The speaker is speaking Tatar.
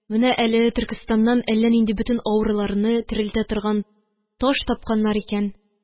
Менә әле Төркстаннан әллә нинди бөтен авыруларны терелтә торган таш тапканнар икән.